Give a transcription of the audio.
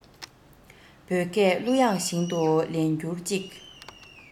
བོད སྐད གླུ དབྱངས བཞིན དུ ལེན འགྱུར ཅིག